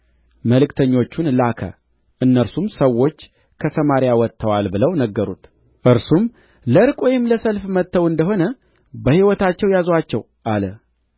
መልእክተኞችን ላከ እነርሱም ሰዎች ከሰማርያ ወጥተዋል ብለው ነገሩት እርሱም ለዕርቅ ወይም ለሰልፍ መጥተው እንደ ሆነ በሕይወታቸው ያዙአቸው አለ